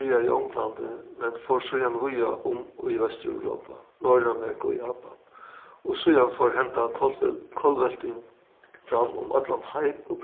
byrjaði í onglandi men fór síðan víða um í vestureuropa norðuramerika og japan og síðan fór henda kollvelting fram um allan heim og